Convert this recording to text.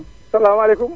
salaamaalekum